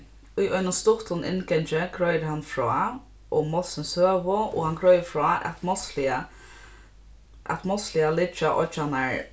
í einum stuttum inngangi greiðir hann frá um málsins søgu og hann greiðir frá at málsliga at málsliga liggja oyggjarnar